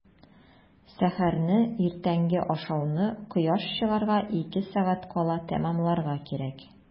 Сәхәрне – иртәнге ашауны кояш чыгарга ике сәгать кала тәмамларга кирәк.